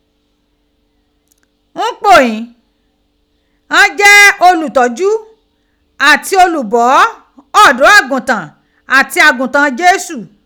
N po ghin, ghan je olutoju ati olubo odo agutan ati agutan Jesu